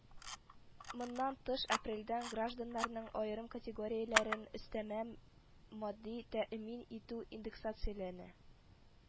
Моннан тыш, апрельдән гражданнарның аерым категорияләрен өстәмә матди тәэмин итү индексацияләнә